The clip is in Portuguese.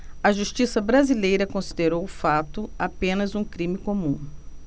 a justiça brasileira considerou o fato apenas um crime comum